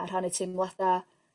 a rhannu teimlada.